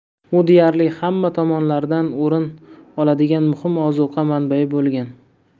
u deyarli hamma taomlardan o'rin oladigan muhim ozuqa manbai bo'lgan